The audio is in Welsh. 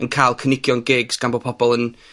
yn ca'l cynigion gigs gan bo' pobol yn